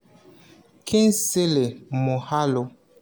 Kingsley Moghalu